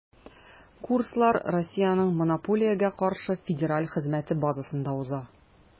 Курслар Россиянең Монополиягә каршы федераль хезмәте базасында уза.